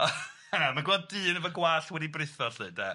O na ma' gweld dyn efo gwallt wedi britho lly de.